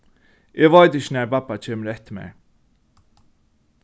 eg veit ikki nær babba kemur eftir mær